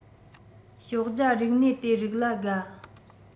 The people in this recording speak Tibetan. ཞོགས ཇ རིག གནས དེ རིགས ལ དགའ